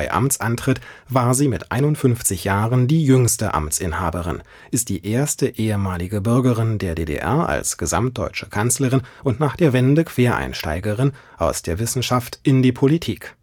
Amtsantritt war sie mit 51 Jahren die jüngste Amtsinhaberin, ist die erste ehemalige Bürgerin der DDR als gesamtdeutsche Kanzlerin und nach der Wende Quereinsteigerin aus der Wissenschaft in die Politik